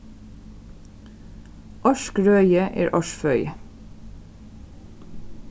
ársgrøði er ársføði